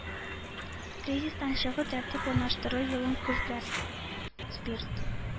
– кризистан чыгу, тәртип урнаштыру юлын күпләр спирт,